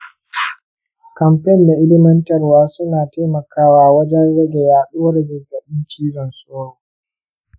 kamfen na ilimantarwa suna taimakawa wajen rage yaduwar zazzabin cizon sauro.